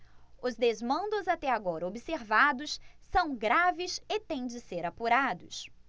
os desmandos até agora observados são graves e têm de ser apurados